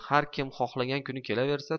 har kim xohlagan kuni kelaversa